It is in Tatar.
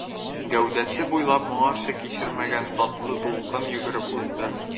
Гәүдәсе буйлап моңарчы кичермәгән татлы дулкын йөгереп узды.